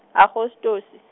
Agostose.